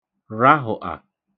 rahụ̀tà